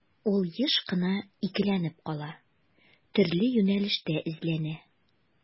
Ул еш кына икеләнеп кала, төрле юнәлештә эзләнә.